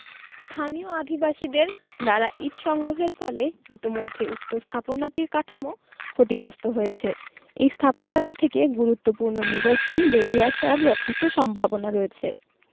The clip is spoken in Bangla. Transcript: স্থানীয় আধিবাসীদের দ্বারা ইট সংগ্রহের ফলে ইতোমধ্যেই উক্ত স্থাপনাটির কাঠামো ক্ষতিগ্রস্ত হয়েছে এই স্থাপনাটি থেকে গুরুত্বপূর্ণ নিদর্শন বেরিয়ে আসার যথেষ্ট সম্ভাবনা রয়েছে